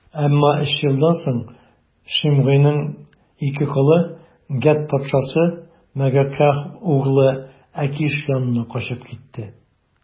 Әмма өч елдан соң Шимгыйның ике колы Гәт патшасы, Мәгакәһ углы Әкиш янына качып китте.